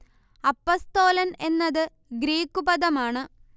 അപ്പസ്തോലൻ എന്നത് ഗ്രീക്കു പദമാണ്